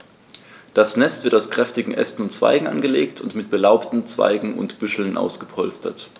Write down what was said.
Das Nest wird aus kräftigen Ästen und Zweigen angelegt und mit belaubten Zweigen und Büscheln ausgepolstert.